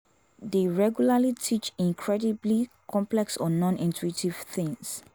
They regularly teach incredibly complex or nonintuitive things.